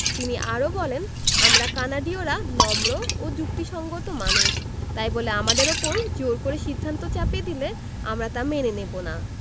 তিনি আরও বলেন আমরা কানাডীয়রা নম্র ও যুক্তিসংগত মানুষ তাই বলে আমাদের ওপর জোর করে সিদ্ধান্ত চাপিয়ে দিলে আমরা তা মেনে নেব না